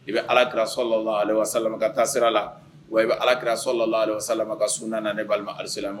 I be alakira ka taa sira la wa i be alakira ka sunna na ne balimala alisilamɛw